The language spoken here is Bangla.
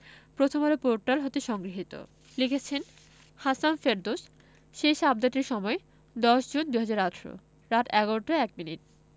প্রথমআলো পোর্টাল হতে সংগৃহীত লিখেছেন হাসাম ফেরদৌস শেষ আপডেটের সময় ১০ জুন ২০১৮ রাত ১১টা ১ মিনিট